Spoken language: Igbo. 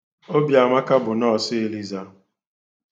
Obiamaka bu nọọsụ eliza.